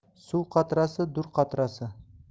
suv qatrasi dur qatrasi